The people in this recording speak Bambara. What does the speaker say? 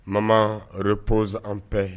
Mama ore pauloz anp